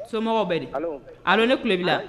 Somɔgɔw bɛ di ? Allo ne tulo b i la.